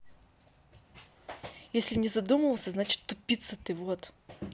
если не задумывался значит тупица ты вот